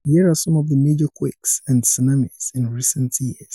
Here are some of the major quakes and tsunamis in recent years: